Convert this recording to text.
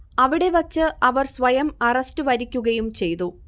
അവിടെ വച്ച് അവർ സ്വയം അറസ്റ്റ് വരിക്കുകയും ചെയ്തു